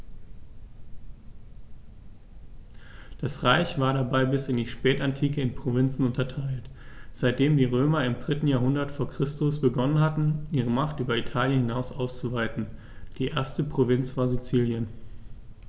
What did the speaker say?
Das Reich war dabei bis in die Spätantike in Provinzen unterteilt, seitdem die Römer im 3. Jahrhundert vor Christus begonnen hatten, ihre Macht über Italien hinaus auszuweiten (die erste Provinz war Sizilien).